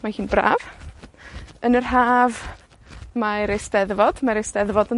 mae hi'n braf. Yn yr Haf, mae'r Eisteddfod. Mae'r eisteddfod yn